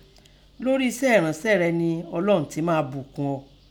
Lori esẹ́ ẹ̀ransẹ́ rẹ nẹ Ọlọun tẹ máa bukun un ọ.